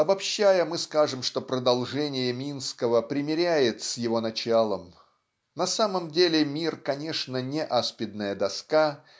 Обобщая, мы скажем, что продолжение Минского примиряет с его началом. На самом деле мир конечно не аспидная доска